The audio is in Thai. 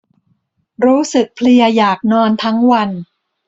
รู้สึกเพลียอยากนอนทั้งวัน